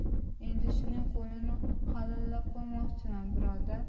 endi shuning qo'lini halollab qo'ymoqchiman birodar